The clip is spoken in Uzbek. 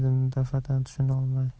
dedim dafatan tushunolmay